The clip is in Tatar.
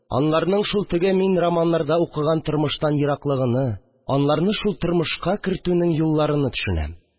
Анларның шул теге мин романнарда укыган тормыштан ераклыгыны, анларны шул тормышка кертүнең юлларыны төшенәм